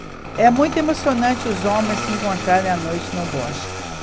é muito emocionante os homens se encontrarem à noite no bosque